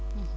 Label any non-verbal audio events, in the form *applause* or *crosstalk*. *hesitation* *hesitation*